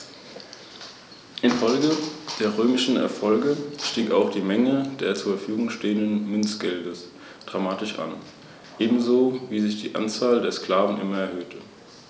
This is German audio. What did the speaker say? Kernzonen und die wichtigsten Bereiche der Pflegezone sind als Naturschutzgebiete rechtlich gesichert.